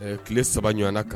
Ɛɛ tile 3 ɲɔgɔn na kan.